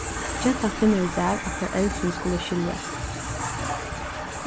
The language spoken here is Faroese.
gentan finnur útav at foreldrini skulu skiljast